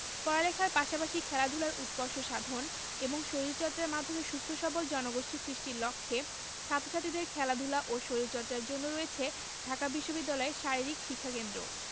পড়ালেখার পাশাপাশি খেলাধুলার উৎকর্ষ সাধন এবং শরীরচর্চার মাধ্যমে সুস্থ সবল জনগোষ্ঠী সৃষ্টির লক্ষ্যে ছাত্র ছাত্রীদের খেলাধুলা ও শরীরচর্চার জন্য রয়েছে ঢাকা বিশ্ববিদ্যালয়ে শারীরিক শিক্ষাকেন্দ্র